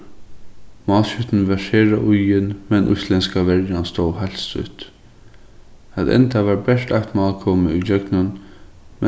málskjúttin var sera íðin men íslendska verjan stóð heilt stútt at enda var bert eitt mál komið ígjøgnum